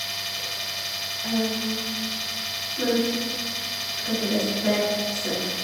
Men kanskje desto mer søt.